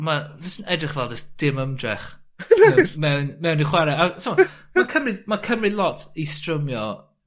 ma' f- jys yn edrych fel do's dim ymdrech... Nago's. ...mewn mewn mewn y chwar'e a t'mod... ...ma'n cymryd ma'n cymryd lot i strymio